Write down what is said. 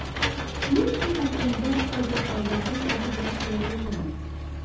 Ни өчен океанда кайбер утрауларда хәзер дә кешеләр яшәми?